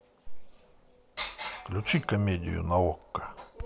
включи комедию на окко